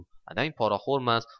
adang poraxo'rmas